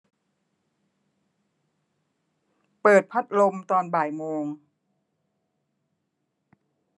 เปิดพัดลมตอนบ่ายโมง